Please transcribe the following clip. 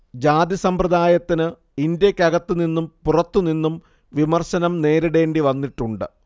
ജാതിസമ്പ്രദായത്തിനു ഇന്ത്യക്കകത്തുനിന്നും പുറത്തുനിന്നും വിമർശനം നേരീടേണ്ടിവന്നിട്ടുണ്ട്